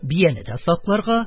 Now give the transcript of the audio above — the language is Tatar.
Бияне дә сакларга,